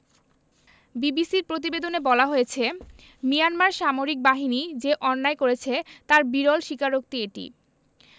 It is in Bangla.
বিবিসির প্রতিবেদনে বলা হয়েছে মিয়ানমার সামরিক বাহিনী যে অন্যায় করেছে তার বিরল স্বীকারোক্তি এটি